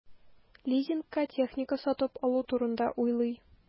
Лизингка техника сатып алу турында уйлый.